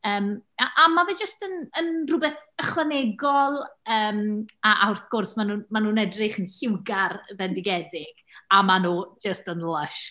Yym a a ma' fe jyst yn yn rywbeth ychwanegol. Yym, a a wrth gwrs maen nhw'n maen nhw'n edrych yn lliwgar bendigedig, a maen nhw jyst yn lysh.